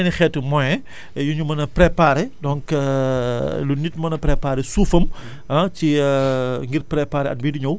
léegi nag dañuy ñëw ci ndax am na yeneen xeetu moyens yu ñu mën a préparer donc lu nit mën a préparé suufam